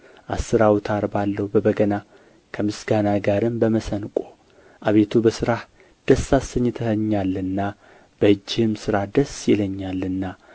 አሥር አውታር ባለው በበገና ከምስጋና ጋርም በመሰንቆ አቤቱ በሥራህ ደስ አሰኝተኸኛልና በእጅህም ሥራ ደስ ይለኛልና